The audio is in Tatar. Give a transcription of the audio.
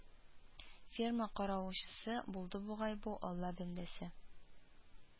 Ферма каравылчысы булды бугай бу Алла бәндәсе